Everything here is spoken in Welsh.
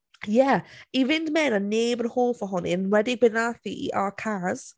Ie, i fynd mewn a neb yn hoff ohoni, yn enwedig be wnaeth hi i our Kaz.